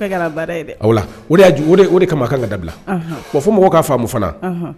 don o de kama kan ka dabila fo mɔgɔw k'a fa fana